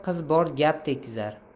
qiz bor gap tekizar